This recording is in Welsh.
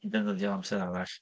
I ddefnyddio amser arall.